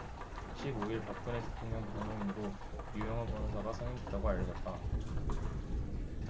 십 오 일 박근혜 대통령 변호인으로 유영하 변호사가 선임됐다고 알려졌다